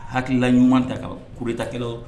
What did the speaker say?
Hakilikila ɲuman ta ka kotakɛlaw